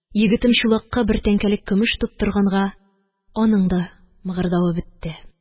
Егетем чулакка бер тәңкәлек көмеш тоттырганга, аның да мыгырдавы бетте.